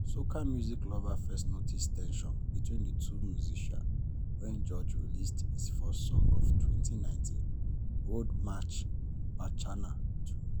Soca music lovers first noticed tension between the two musicians when George released his first song of 2019, "Road March Bacchanal 2".